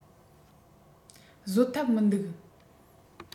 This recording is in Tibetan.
བཟོད ཐབས མི འདུག